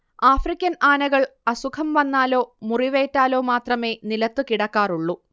African ആനകൾ അസുഖം വന്നാലോ മുറിവേറ്റാലോ മാത്രമേ നിലത്ത് കിടക്കാറുള്ളൂ